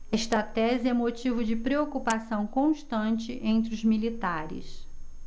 esta tese é motivo de preocupação constante entre os militares